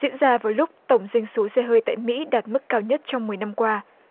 diễn ra vào lúc tổng doanh số xe hơi tại mỹ đạt mức cao nhất trong mười năm qua